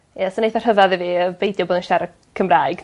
Ie sa'n eitha rhyfadd i fi yy beidio bod yn siarad Cymraeg.